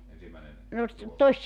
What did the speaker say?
ensimmäinen ruoka